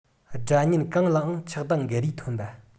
དགྲ གཉེན གང ལའང ཆགས སྡང གི རུས ཐོན པ